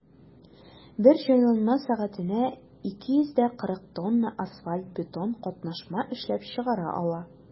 Бер җайланма сәгатенә 240 тонна асфальт–бетон катнашма эшләп чыгара ала.